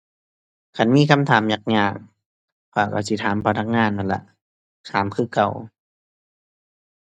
คันมีคำถามยากยาก ข้อยก็สิถามพนักงานนั่นล่ะ ถามคือเก่า